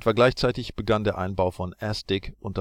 gleichzeitig begann der Einbau von ASDIC-Geräten